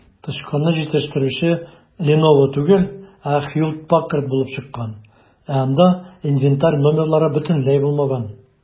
Тычканны җитештерүче "Леново" түгел, ә "Хьюлетт-Паккард" булып чыккан, ә анда инвентарь номерлары бөтенләй булмаган.